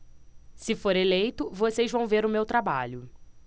se for eleito vocês vão ver o meu trabalho